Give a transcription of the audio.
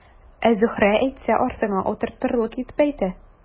Ә Зөһрә әйтсә, артыңа утыртырлык итеп әйтә.